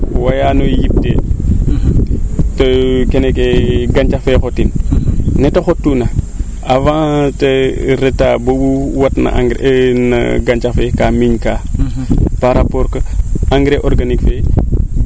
wayano yip te to kene ke gancax fee xotin nete xot tuuna avant te retaa bo wat na no engrais no gancax fee ka miñ kaa par rapport que engrais organique fee